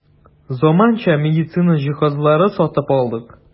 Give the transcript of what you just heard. Заманча медицина җиһазлары сатып алдык.